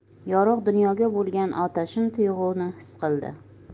yorug' dunyoga bo'lgan otashin tuyg'uni xis qildi